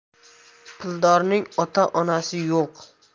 puldorning ota onasi yo'q